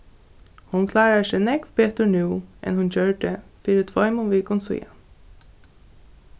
hon klárar seg nógv betur nú enn hon gjørdi fyri tveimum vikum síðan